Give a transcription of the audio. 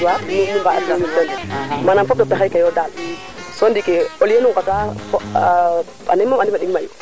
xa a nange yaq wa ko lilan bata weer o yipin naxa saaqu soble geekin bo mbana fad na ndax roog fa jam waga dako dufa tinin to xana faax